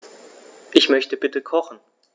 Ich möchte bitte kochen.